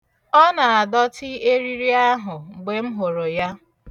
Ọ na-adọtị eriri ahụ mgbe m hụrụ ya.